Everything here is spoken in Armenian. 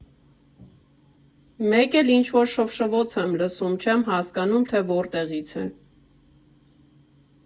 Մեկ էլ ինչ֊որ շվշվոց եմ լսում, չեմ հասկանում, թե որտեղից է։